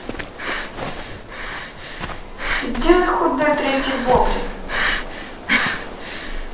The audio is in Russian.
иди на худой третий бобрик